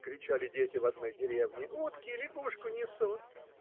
- кричали дети в одной деревне, - утки лягушку несут!